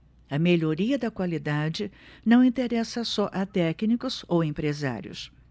a melhoria da qualidade não interessa só a técnicos ou empresários